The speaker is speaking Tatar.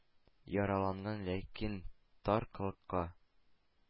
Яраланган, ләкин тар коллыкка